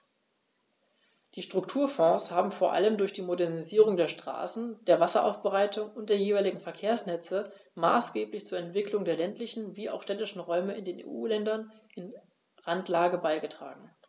Die Strukturfonds haben vor allem durch die Modernisierung der Straßen, der Wasseraufbereitung und der jeweiligen Verkehrsnetze maßgeblich zur Entwicklung der ländlichen wie auch städtischen Räume in den EU-Ländern in Randlage beigetragen.